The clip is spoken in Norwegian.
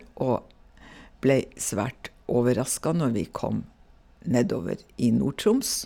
Og ble svært overraska når vi kom nedover i Nord-Troms.